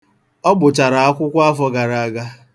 Ọ gbụchara akwụkwọ afọ gara aga.